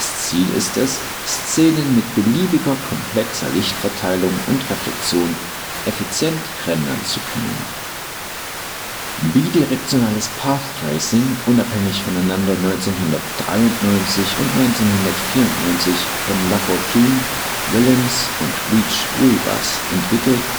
Ziel ist es, Szenen mit beliebig komplexer Lichtverteilung und - reflexion effizient rendern zu können. Bidirektionales Path Tracing, unabhängig voneinander 1993 und 1994 von Lafortune/Willems und Veach/Guibas entwickelt